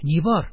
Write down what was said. Ни бар?..